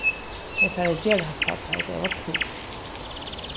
tey fara at gera hatta tá ið tey hava tíð